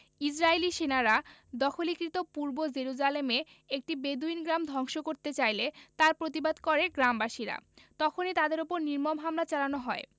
ইসরাইলি সেনারা দখলীকৃত পূর্ব জেরুজালেমে একটি বেদুইন গ্রাম ধ্বংস করতে চাইলে তার প্রতিবাদ করে গ্রামবাসীরা তখনই তাদের ওপর নির্মম হামলা চালানো হয়